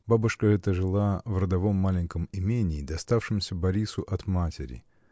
Бабушка эта жила в родовом маленьком имении, доставшемся Борису от матери.